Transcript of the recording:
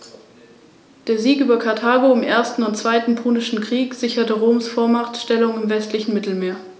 Jeder Stachel ist mit einem Aufrichtemuskel (Musculus arrector pili) ausgestattet.